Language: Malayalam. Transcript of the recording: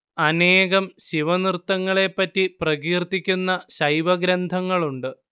അനേകം ശിവനൃത്തങ്ങളെപ്പറ്റി പ്രകീർത്തിക്കുന്ന ശൈവഗ്രന്ഥങ്ങളുണ്ട്